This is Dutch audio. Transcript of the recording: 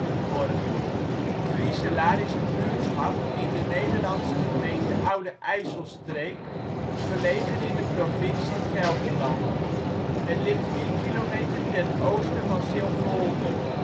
NB, 6° 26 ' OL Vriezelaar Plaats in Nederland Situering Provincie Gelderland Gemeente Oude IJsselstreek Coördinaten 51° 53′ NB, 6° 26′ OL Portaal Nederland Beluister (info) Vriezelaar is een buurtschap in de Nederlandse gemeente Oude IJsselstreek, gelegen in de provincie Gelderland. Het ligt 4 kilometer ten oosten van Silvolde